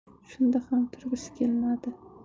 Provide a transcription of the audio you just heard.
shunda ham turgisi kelmadi